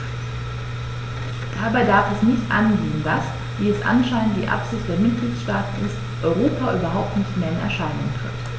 Dabei darf es nicht angehen, dass - wie es anscheinend die Absicht der Mitgliedsstaaten ist - Europa überhaupt nicht mehr in Erscheinung tritt.